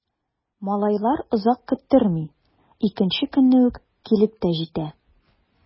Малайлар озак көттерми— икенче көнне үк килеп тә җитә.